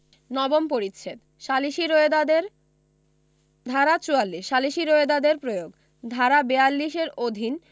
নবম পরিচ্ছেদ সালিসী রোয়েদাদের ধারা ৪৪ সালিসী রোয়েদাদের প্রয়োগ ধারা ৪২ এর অধীন